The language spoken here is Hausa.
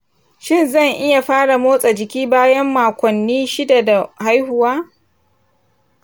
shin zan iya fara motsa jiki bayan makonni shida da haihuwa?